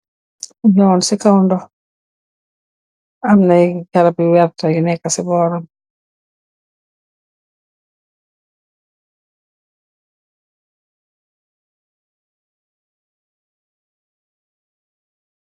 Yun si kaw ndox am na garab yu wertah yu neka si boram.